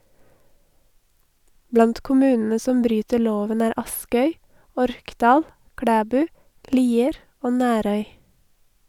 Blant kommunene som bryter loven er Askøy, Orkdal, Klæbu, Lier og Nærøy.